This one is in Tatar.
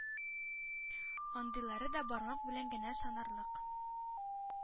Андыйлары да бармак белән генә санарлык.